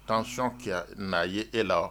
Tansonɔn kɛ na ye e la